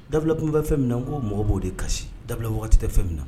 Dabila tun bɛ fɛn min na ko mɔgɔ b'o de kasi dabila waati tɛ fɛn min na